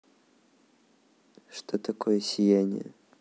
что такое сияние